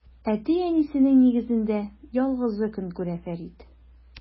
Әти-әнисенең нигезендә ялгызы көн күрә Фәрид.